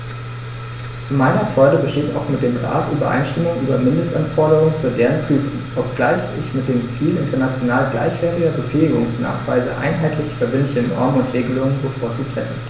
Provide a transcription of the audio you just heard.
Zu meiner Freude besteht auch mit dem Rat Übereinstimmung über Mindestanforderungen für deren Prüfung, obgleich ich mit dem Ziel international gleichwertiger Befähigungsnachweise einheitliche verbindliche Normen und Regelungen bevorzugt hätte.